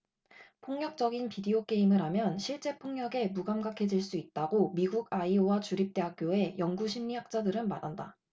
폭력적인 비디오 게임을 하면 실제 폭력에 무감각해질 수 있다고 미국 아이오와 주립 대학교의 연구 심리학자들은 말한다